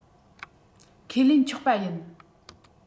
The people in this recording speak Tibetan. ཁས ལེན ཆོག པ ཡིན